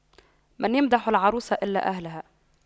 من يمدح العروس إلا أهلها